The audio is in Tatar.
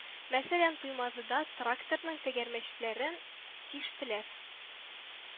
Мәсәлән, Туймазыда тракторның тәгәрмәчләрен тиштеләр